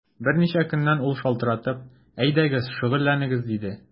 Берничә көннән ул шалтыратып: “Әйдәгез, шөгыльләнегез”, диде.